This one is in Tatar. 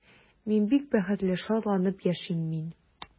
Мин бик бәхетле, шатланып яшим мин.